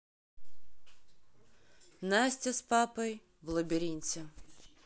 настя с папой в лабиринте